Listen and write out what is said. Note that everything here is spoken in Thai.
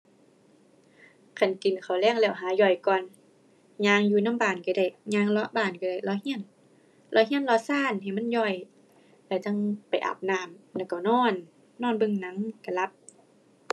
คันกินข้าวแลงแล้วหาย่อยก่อน ย่างอยู่นำบ้านก็ได้ ย่างเลาะบ้านก็ได้ เลาะก็ เลาะก็เลาะซานให้มันย่อย แล้วจั่งไปอาบน้ำ แล้วก็นอน นอนเบิ่งหนัง ก็หลับ